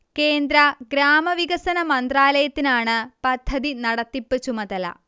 കേന്ദ്ര ഗ്രാമവികസന മന്ത്രാലയത്തിനാണ് പദ്ധതി നടത്തിപ്പ് ചുമതല